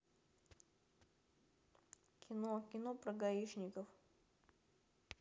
кино кино про гаишников